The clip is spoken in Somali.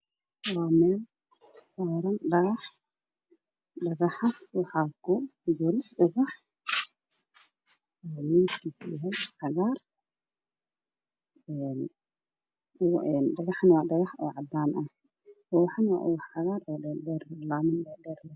Waa meel saaran dhagax kujiro dhagax cadaan ah iyo ubax cagaar ah oo caleemo dhaadheer leh.